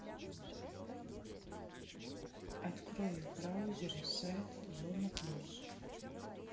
открой в браузере сайт зона плюс